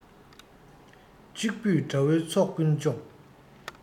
གཅིག པུས དགྲ བོའི ཚོགས ཀུན བཅོམ